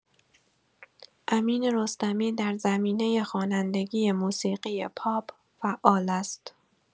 امین رستمی در زمینه خوانندگی موسیقی پاپ فعال است.